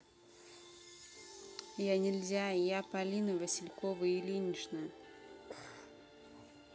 я нельзя я полина василькова ильинична